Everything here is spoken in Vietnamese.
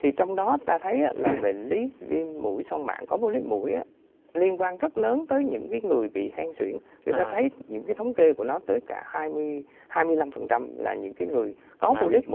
thì trong đó ta thấy là bệnh lý viêm mũi xoang mạn có bô líp mũi á liên quan rất lớn tới những người bị hen suyễn người ta thấy những cái thống kê của nó tới cả hai mươi hai mươi lăm phần trăm là những cái người có bô líp